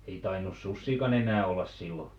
ei tainnut susiakaan enää olla silloin